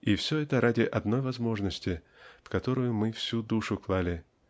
И все это ради одной возможности, в которую мы всю душу клали